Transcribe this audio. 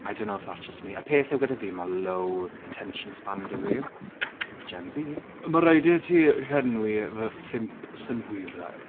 I don't know if that's just me, y peth yw gyda fi, ma' low attention span 'da fi Gen Z Ma' raid i ti llenwi fy phump synhwyrau.